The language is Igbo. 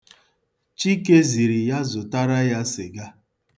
Chike ziri ya zụtara ya sịga.